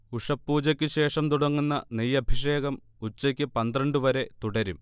ഉഷഃപൂജക്കുശേഷം തുടങ്ങുന്ന നെയ്യഭിഷേകം ഉച്ച്ക്ക് പന്ത്രണ്ട് വരെ തുടരും